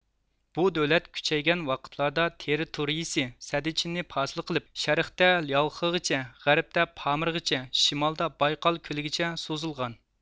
بۇ دۆلەت كۈچەيگەن ۋاقىتلاردا تېررىتورىيىسى سەددىچىننى پاسىل قىلىپ شەرقتە لياۋخېغىچە غەربتە پامىرغىچە شىمالدا بايقال كۆلىگىچە سوزۇلغان